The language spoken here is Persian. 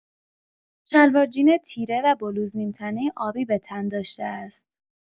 شلوار جین تیره و بلوز نیم‌تنه آبی به تن داشته است.